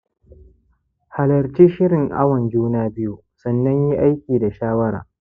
halarci shirin awon juna-biyu sannan yi aiki da shawara